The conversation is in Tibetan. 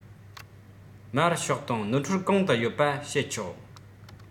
མར ཤོག དང ནོར འཁྲུལ གང དུ ཡོད པ བཤད ཆོག